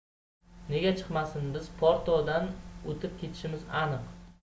nega chiqmasin biz porto dan o'tib ketishimiz aniq